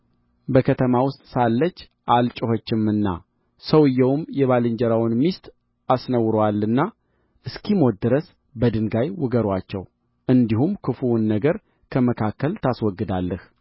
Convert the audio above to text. በከተማ ውስጥ ሳለች አልጮኸችምና ሰውዮውም የባልንጀራውን ሚስት አስነውሮአልና እስኪሞቱ ድረስ በድንጋይ ውገሩአቸው እንዲሁም ክፉውን ነገር ከመካከልህ ታስወግዳለህ